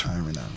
amiin amiin